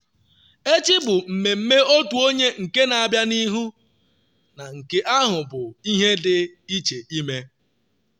Echi bụ mmemme otu onye nke na-abịa n’ihu, na nke ahụ bụ ihe dị iche ime.